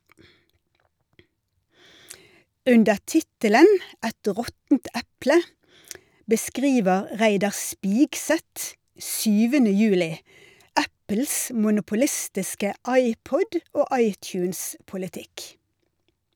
Under tittelen "Et råttent eple" beskriver Reidar Spigseth 7. juli Apples monopolistiske iPod- og iTunes- politikk.